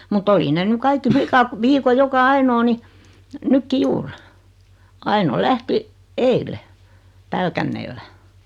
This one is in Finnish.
mutta oli ne nyt kaikki likat viikon joka ainoa niin nytkin juuri Aino lähti eilen Pälkäneellä